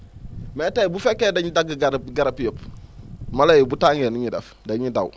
mais tey bu fekkee dañ dagg garab garab yëpp mala yi bu tàngee nu ñuy def dañuy daw